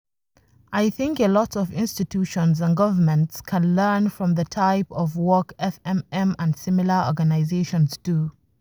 I think a lot of institutions and governments can learn from the type of work FMM and similar organizations do.